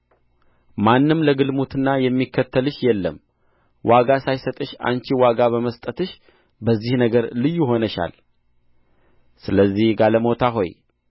ማንም ለግልሙትና የሚከተልሽ የለም ዋጋ ሳይሰጥሽ አንቺ ዋጋ በመስጠትሽ በዚህ ነገር ልዩ ሆነሻል ስለዚህ ጋለሞታ ሆይ